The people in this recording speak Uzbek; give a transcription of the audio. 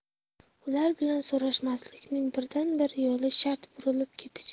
ular bilan so'rashmaslikning birdan bir yo'li shart burilib ketish